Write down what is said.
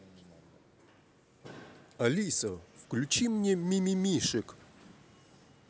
алиса включи мне мимимишек